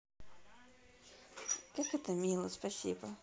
как это мило спасибо